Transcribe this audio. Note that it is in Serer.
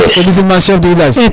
o ɓisin ma chef du village